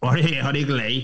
Odi, odi glei!